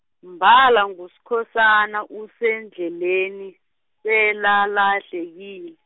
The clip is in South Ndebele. mbala nguSkhosana usendleleni, selalahlekile.